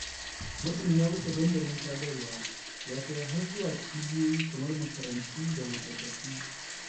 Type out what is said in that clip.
Matsin ya wuce dandalin sadarwa, ya kai har zuwa cibiyoyi kamar makarantu da ma'aikatu.